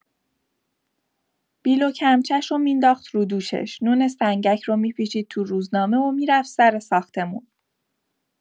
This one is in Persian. بیل و کمچه‌شو می‌نداخت رو دوشش، نون سنگک رو می‌پیچید تو روزنامه و می‌رفت سر ساختمون.